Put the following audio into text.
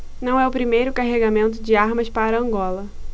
não é o primeiro carregamento de armas para angola